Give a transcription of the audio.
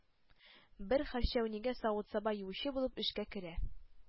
Бер хэрчэүнигә савыт-саба юучы булып эшкә керә.